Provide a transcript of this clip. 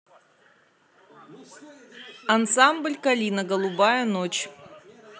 ансамбль калина голубая ночь